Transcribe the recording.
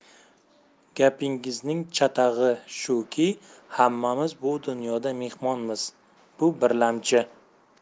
gapingizning chatag'i shuki hammamiz bu dunyoga mehmonmiz bu birlamchi